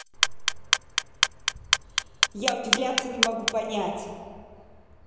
я удивляться не могу понять